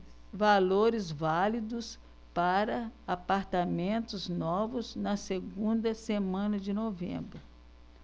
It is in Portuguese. valores válidos para apartamentos novos na segunda semana de novembro